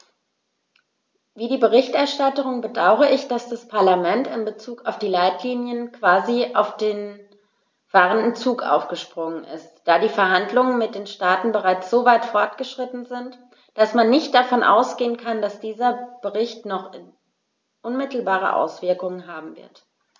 Wie die Berichterstatterin bedaure ich, dass das Parlament in bezug auf die Leitlinien quasi auf den fahrenden Zug aufgesprungen ist, da die Verhandlungen mit den Staaten bereits so weit fortgeschritten sind, dass man nicht davon ausgehen kann, dass dieser Bericht noch unmittelbare Auswirkungen haben wird.